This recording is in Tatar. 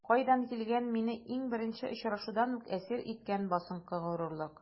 Кайдан килгән мине иң беренче очрашулардан үк әсир иткән басынкы горурлык?